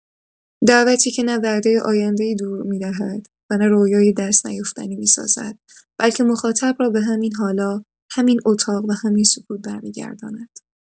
دعوتی که نه وعده آینده‌ای دور می‌دهد و نه رؤیای دست‌نیافتنی می‌سازد، بلکه مخاطب را به همین حالا، همین اتاق و همین سکوت برمی‌گرداند.